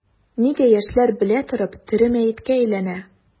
Нигә яшьләр белә торып тере мәеткә әйләнә?